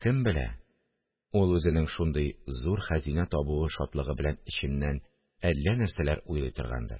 Кем белә, ул үзенең шундый зур хәзинә табу шатлыгы белән эченнән әллә нәрсәләр уйлый торгандыр